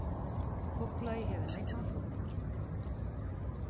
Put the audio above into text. fugloy hevur nógvan fugl